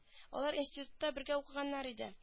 Алар институтта бергә укыганнар иде